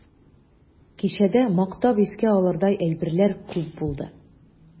Кичәдә мактап искә алырдай әйберләр күп булды.